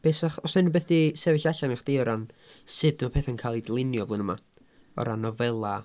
Be' 'sach... oes unrhyw beth 'di sefyll allan i chdi o ran sut mae pethau'n cael eu dylunio flwyddyn yma? O ran nofelau.